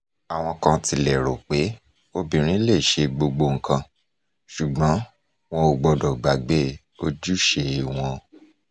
Àwọn kan tilẹ̀ rò pé obìnrin lè ṣe gbogbo nǹkan, ṣùgbọ́n wọn ò gbọdọ̀ gbàgbé "ojúṣe" wọn.